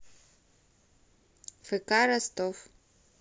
фк ростов